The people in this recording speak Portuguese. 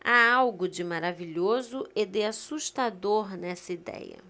há algo de maravilhoso e de assustador nessa idéia